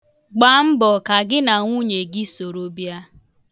Gbaa mbọ ka gị na nwunye gị soro bịa.